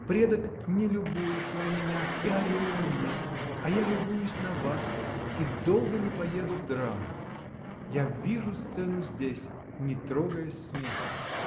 Предок не любуется на меня, и ореола нет, а я любуюсь на вас и долго не поеду в драму: я вижу сцену здесь, не трогаясь с места.